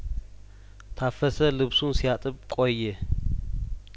ታፈሰ ልብሱን ሲያጥብ ቆየ